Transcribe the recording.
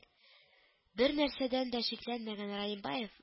Бернәрсәдән дә шикләнмәгән Раимбаев